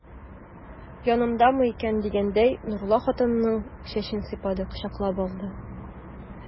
Янымдамы икән дигәндәй, Нурулла хатынының чәчен сыйпады, кочаклап алды.